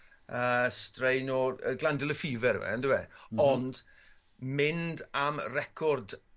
yy strain o'r yy glandular fever yw e on'd yw e? Ond mynd am record